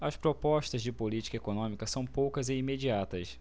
as propostas de política econômica são poucas e imediatas